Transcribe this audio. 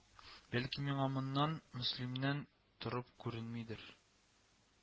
Бәлки миңа моннан, Мөслимнән торып күренмидер